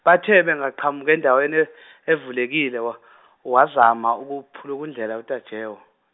bathe bangaqhamukela endaweni evulekile wa- wazama ukuphulukundlela uTajewo.